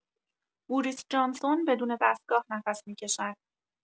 بوریس جانسون بدون دستگاه نفس می‌کشد.